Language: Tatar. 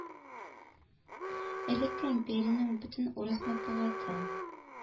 Элекке империянең бөтен урыс матбугаты,